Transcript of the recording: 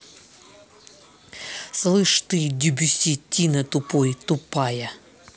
слышь ты дебюсси тина тупой тупая